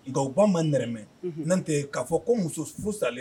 Nka u ba ma nɛrɛmɛ n'o tɛ k'a fɔ ko musofurusalen?